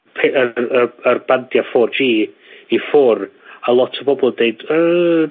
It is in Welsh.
peir- y yy y yr bandia four gee i ffwr'. A lot o bobol deud yyrgh